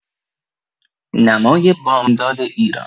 نمای بامداد ایران